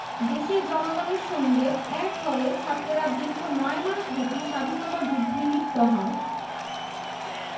দেশের জনগণের সঙ্গে এক হয়ে ছাত্ররা দীর্ঘ নয় মাসব্যাপী স্বাধীনতা যুদ্ধে লিপ্ত হয়